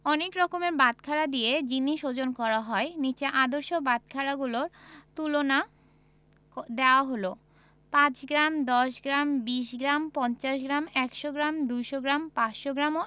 অনেক রকমের বাটখারা দিয়ে জিনিস ওজন করা হয় নিচে আদর্শ বাটখারাগুলোর তুলনা দেয়া হলঃ ৫ গ্রাম ১০গ্ৰাম ২০ gram ৫০ gram ১০০ gram ২০০ gram ৫০০ gram ও